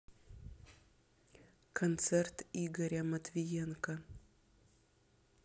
концерт игоря матвиенко